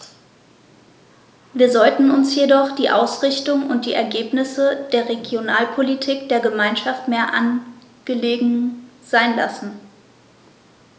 Wir sollten uns jedoch die Ausrichtung und die Ergebnisse der Regionalpolitik der Gemeinschaft mehr angelegen sein lassen.